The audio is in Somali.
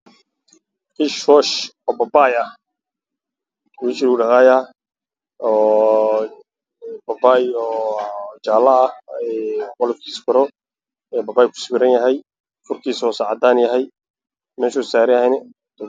Heshiis ku woosh oo oo babay ah qalafkiisa karo jaal yahay waxaana ku sugan babaay hoostiisa oo caddaan wuxuuna saaran yahay meel dhal ah